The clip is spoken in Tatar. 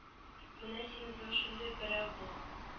Менә син үзең шундый берәү бул